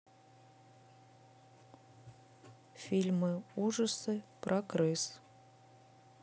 фильм ужасы про крыс